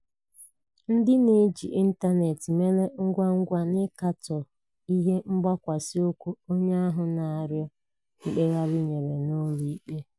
Ndị na-eji ịntaneetị mere ngwangwa n'ịkatọ ihe mgbakwasị ụkwụ onye ahụ na-arịọ mkpegharị nyere n'ụlọ ikpe.